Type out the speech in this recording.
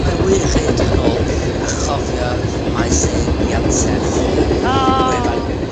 Mae yn wych i edrych yn ôl, a chofio maes e yn ei anterth, yym... O! ...gwefan